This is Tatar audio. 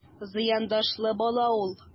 Зыяндашлы бала ул...